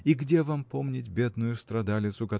и где вам помнить бедную страдалицу